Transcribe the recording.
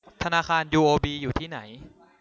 ธนาคารยูโอบีอยู่ที่ไหน